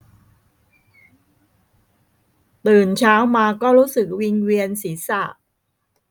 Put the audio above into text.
ตื่นเช้ามาก็รู้สึกวิงเวียนศีรษะ